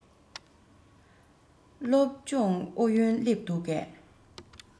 སློབ སྦྱོང ཨུ ཡོན སླེབས འདུག གས